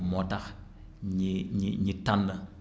moo tax ñi ñi ñi tànn